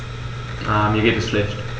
Mir geht es schlecht.